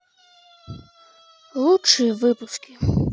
лучшие выпуски